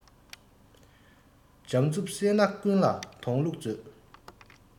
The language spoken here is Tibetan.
འཇམ རྩུབ བསྲེས ན ཀུན ལ འདོང ལུགས མཛོད